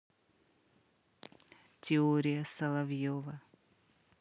теория соловьева